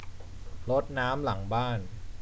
รดน้ำหลังบ้าน